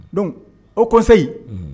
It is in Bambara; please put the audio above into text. Don o koseyi